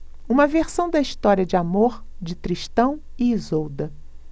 uma versão da história de amor de tristão e isolda